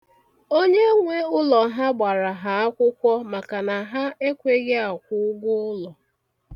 Onyenwe ụlọ ha gbara ha akwụkwọ maka na ha ekweghị akwụ ụgwọ ụlọ.